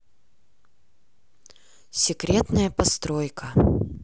секретная постройка